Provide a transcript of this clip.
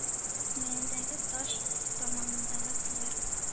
Күңелендәге таш, тамагындагы төер,